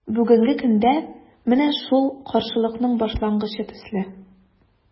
Бүгенге көндә – менә шул каршылыкның башлангычы төсле.